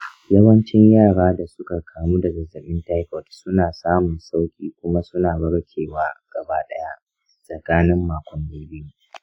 yawancin yara da suka kamu da zazzabin taifot suna samun sauƙi kuma suna warke wa gaba ɗaya tsakanin makonni biyu.